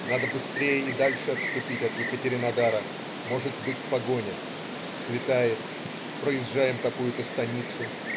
Надо быстрее и дальше отступить от Екатеринодара, может быть погоня. Светает. Проезжаем какую-то станицу.